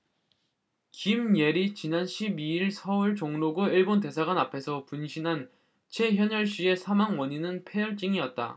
김예리 지난 십 이 일 서울 종로구 일본대사관 앞에서 분신한 최현열씨의 사망 원인은 패혈증이었다